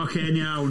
Oce, yn iawn.